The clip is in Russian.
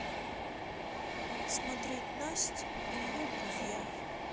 смотреть настя и ее друзья